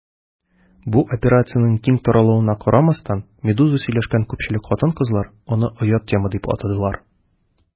Бу операциянең киң таралуына карамастан, «Медуза» сөйләшкән күпчелек хатын-кызлар аны «оят тема» дип атадылар.